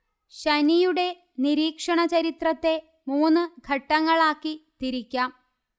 ശനിയുടെ നിരീക്ഷണ ചരിത്രത്തെ മൂന്ന് ഘട്ടങ്ങളാക്കി തിരിക്കാം